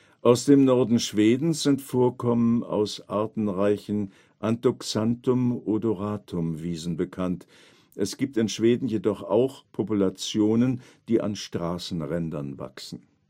Aus dem Norden Schwedens sind Vorkommen aus artenreichen Anthoxanthum odoratum-Wiesen bekannt, es gibt in Schweden jedoch auch Populationen, die an Straßenrändern wachsen